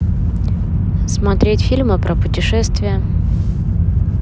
смотреть фильмы про путешествия